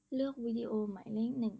เลือกวิดีโอหมายเลขหนึ่ง